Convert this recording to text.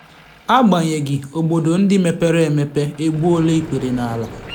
Agbanyeghị, obodo ndị mepere emepe egbuola ikpere n'ala.